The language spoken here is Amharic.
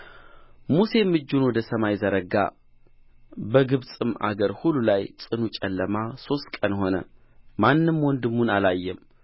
ሙሴም እጁን ወደ ሰማይ ዘረጋ በግብፅም አገር ሁሉ ላይ ፅኑ ጨለማ ሦስት ቀን ሆነ ማንም ወንድሙን አላየም